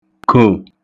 kò